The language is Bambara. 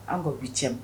An ko 8 ème